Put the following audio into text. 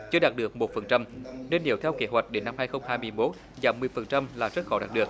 chưa đạt được một phần trăm nên nếu theo kế hoạch đến năm hai không hai mươi mốt giảm mười phần trăm là rất khó đạt được